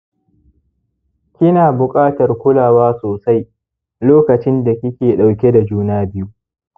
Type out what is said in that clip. kina buƙatar kulawa sosai lokacin da kike ɗauke da juna biyu